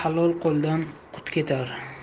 halol qo'ldan qut ketar